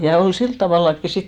ja oli sillä tavallakin sitten